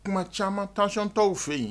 Tuma caman tension tɔw fɛ yen